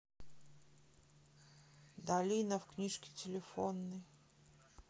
долина в книжке телефонной